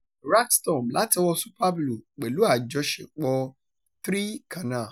2. "Rag Storm" láti ọwọ́ọ Super Blue, pẹ̀lú àjọṣepọ̀ 3 Canal